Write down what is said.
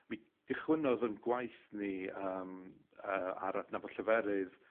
mi gychwynnodd 'yn gwaith ni yym yy ar adnabod lleferydd